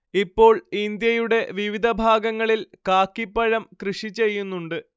ഇപ്പോൾ ഇന്ത്യയുടെ വിവിധ ഭാഗങ്ങളിൽ കാക്കിപ്പഴം കൃഷി ചെയ്യുന്നുണ്ട്